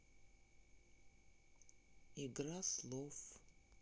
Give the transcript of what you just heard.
игра слов